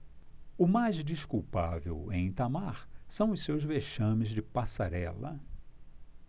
o mais desculpável em itamar são os seus vexames de passarela